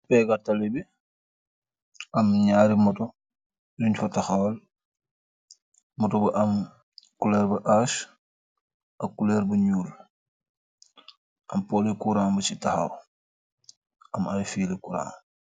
Pegga tali bi am ñaari moto yuñ fa taxaal, moto bu am kuleer bu aash ak kuleer bu ñuul, am poli kuram bu ci taxaw am fiile kura.